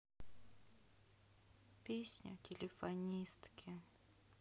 песня телефонистки